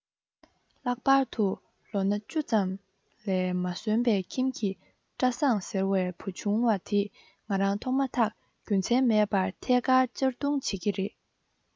ལྷག པར དུ ལོ ན བཅུ ཙམ ལས མ སོན པའི ཁྱིམ གྱི བཀྲ བཟང ཟེར བའི བུ ཆུང བ དེས ང རང མཐོང མ ཐག རྒྱུ མཚན མེད པར ཐད ཀར གཅར རྡུང བྱེད ཀྱི རེད